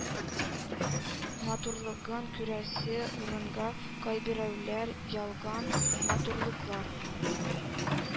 Матурлыгын күрәсе урынга, кайберәүләр ялган матурлыклар